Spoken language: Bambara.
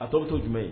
A tɔ bɛ to jumɛn ye?